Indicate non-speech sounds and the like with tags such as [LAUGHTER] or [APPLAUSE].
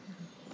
[HESITATION] [HESITATION]